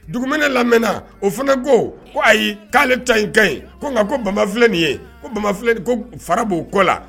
Dugumɛnɛ lamɛna o fɛnɛ ko ko ayi k'ale ta in kaɲi ko ŋa ko banba filɛ nin ye ko banba filɛ n ko k fara b'o kɔ la